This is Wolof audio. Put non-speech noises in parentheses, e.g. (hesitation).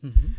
(hesitation) (hesitation)